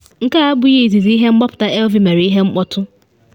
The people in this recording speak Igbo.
Nke a abụghị izizi ihe mgbapụta Elvie mere ihe mkpọtụ.